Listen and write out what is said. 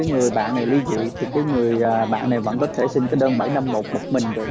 người bạn này ly dị thì cái người bạn này vẫn có thể xin cái đơn bảy năm một một mình được